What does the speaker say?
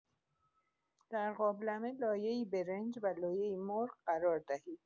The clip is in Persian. در قابلمه، لایه‌ای برنج و لایه‌ای مرغ قرار دهید.